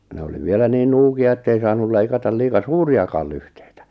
ne oli vielä niin nuukia että ei saanut leikata liian suuriakaan lyhteitä